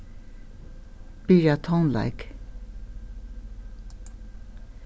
byrja tónleik